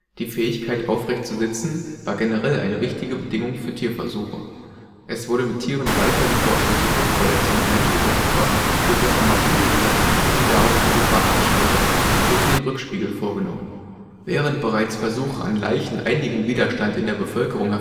Die Fähigkeit, aufrecht zu sitzen, war generell eine wichtige Bedingung für Tierversuche. Es wurde mit Tieren weiterhin Forschung zu Kopfverletzungen menschlicher Opfer durch das Armaturenbrett und die darauf angebrachten Schalter sowie den Rückspiegel vorgenommen. Während bereits Versuche an Leichen einigen Widerstand in der Bevölkerung